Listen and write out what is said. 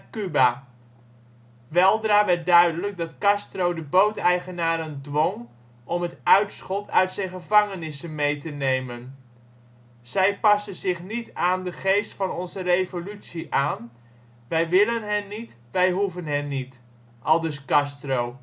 Cuba. Weldra werd duidelijk dat Castro de booteigenaren dwong om het uitschot uit zijn gevangenissen mee te nemen. " Zij passen zich niet aan de geest van onze revolutie aan. Wij willen hen niet! Wij hoeven hen niet! " aldus Castro